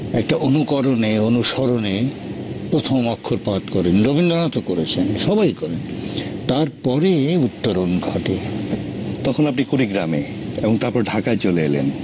একটা অনুকরণে অনুসরণে প্রথম অক্ষর পাঠ করেন রবীন্দ্রনাথ ও করেছেন সবাই করেন তারপরে উত্তরণ ঘটে তখন আপনি কুড়িগ্রামে তারপর ঢাকায় চলে এলেন